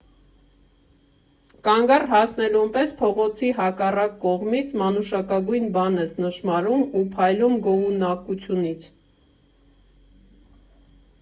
Կանգառ հասնելուն պես փողոցի հակառակ կողմից մանուշակագույն բան ես նշմարում ու փայլում գոհունակությունից։